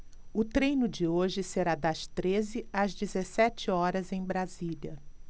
o treino de hoje será das treze às dezessete horas em brasília